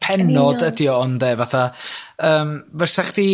pennod ydi o ynde? Fatha yym fysa chdi